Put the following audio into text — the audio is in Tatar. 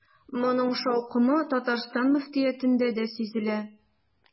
Моның шаукымы Татарстан мөфтиятендә дә сизелә.